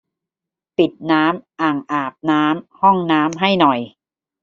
ปิดน้ำอ่างอาบน้ำห้องน้ำให้หน่อย